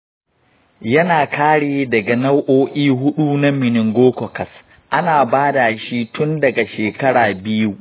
yana kare daga nau’o’i huɗu na meningococcus. ana ba da shi tun daga shekara biyu.